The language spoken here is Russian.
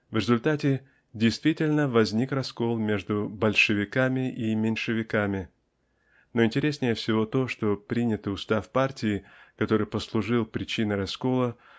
В результате действительно возник раскол между "большевиками" и "меньшевиками". Но интереснее всего то что принятый устав партии который послужил причиной раскола